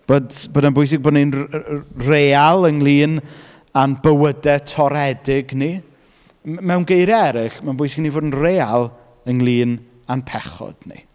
Bod, bod e’n bwysig bod ni'n real ynglyn â'n bywydau toredig ni. Mewn geiriau eraill, mae'n bwysig i ni fod yn real ynglyn â'n pechod ni.